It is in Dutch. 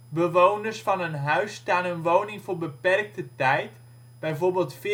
Bewoners van een huis staan hun woning voor beperkte tijd (bijvoorbeeld